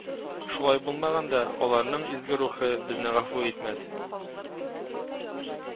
Шулай булмаганда, аларның изге рухы безне гафу итмәс